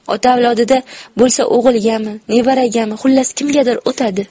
ota avlodida bo'lsa o'g'ilgami nevaragami xullas kimgadir o'tadi